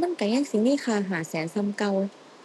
มันก็ยังสิมีค่าห้าแสนส่ำเก่า